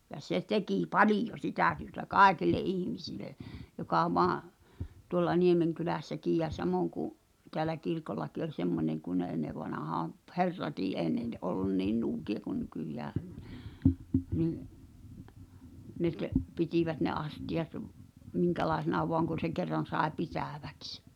ja se teki paljon sitä työtä kaikille ihmisille joka vain tuolla Niemenkylässäkin ja samoin kuin täällä kirkollakin oli semmoinen kun ne ennen vanhaan - herratkin ei ne - ollut niin nuukia kuin nykyään niin ne - pitivät ne astiat minkälaisena vain kun se kerran sai pitäviksi